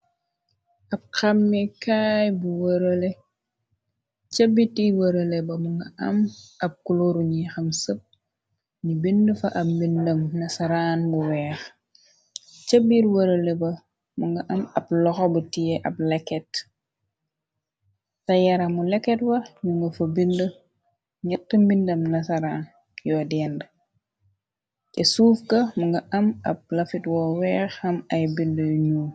Ab xamikaay bu wrale cabbitiy wërale ba mu nga am ab kulooru ñiy xam sëp ñu bind fa ab mbindam nasaraan bu weex cëbir wërale ba mu nga am ab loxo bu tie ab lekket ta yaramu leket wax ñu nga fa bind ñett mbindam nasaraan yoo dend te suuf ka mu nga am ab lafit woo weex xam ay bind yuñu.